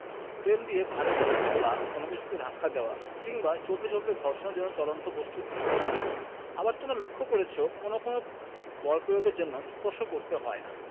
crane দিয়ে ভারী জিনিস তোলা কোনো কিছুকে ধাক্কা দেওয়া কিংবা চলতে চলতে ঘর্ষণের জন্য চলন্ত বস্তুর থেমে যাওয়া আবার তোমরা লক্ষ করেছ কোনো কোনো বল প্রয়োগের জন্য স্পর্শ করতে হয় না